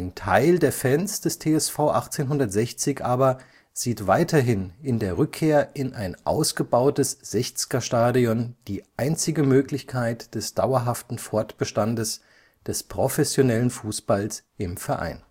Teil der Fans des TSV 1860 aber sieht weiterhin in der Rückkehr in ein ausgebautes Sechzgerstadion die einzige Möglichkeit des dauerhaften Fortbestandes des professionellen Fußballs im Verein